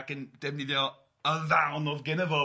...ac yn defnyddio y ddawn oedd genno fo